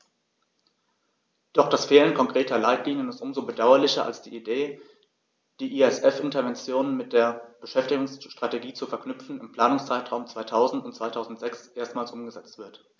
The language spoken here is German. Doch das Fehlen konkreter Leitlinien ist um so bedauerlicher, als die Idee, die ESF-Interventionen mit der Beschäftigungsstrategie zu verknüpfen, im Planungszeitraum 2000-2006 erstmals umgesetzt wird.